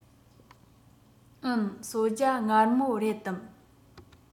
འུན གསོལ ཇ མངར མོ རེད དམ